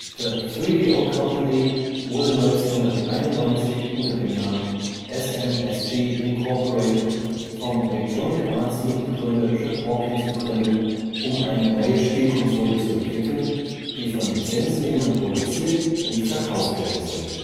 The 3DO Company wurde 1991 unter dem Namen SMSG, Inc. vom Electronic-Arts-Mitbegründer Trip Hawkins gegründet, um eine neue Spielkonsole zu entwickeln, die von Lizenznehmern produziert und verkauft werden sollte